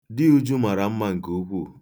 Di Uju mara mma nke ukwuu.